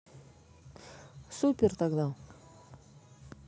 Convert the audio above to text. супер тогда